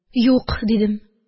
– юк! – дидем